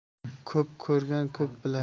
ko'p ko'rgan ko'p bilar